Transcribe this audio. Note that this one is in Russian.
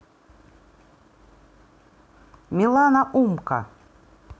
милана умка